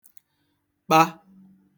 kpa